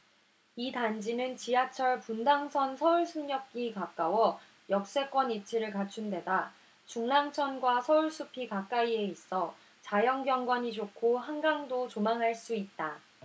이 단지는 지하철 분당선 서울숲역이 가까워 역세권 입지를 갖춘 데다 중랑천과 서울숲이 가까이에 있어 자연경관이 좋고 한강도 조망할 수 있다